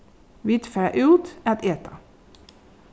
vit fara út at eta